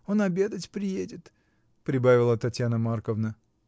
Он обедать придет, — прибавила Татьяна Марковна.